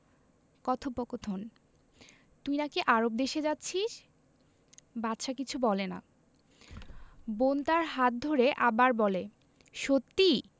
কথোপকথন তুই নাকি আরব দেশে যাচ্ছিস বাদশা কিছু বলে না বোন তার হাত ধরে আবার বলে সত্যি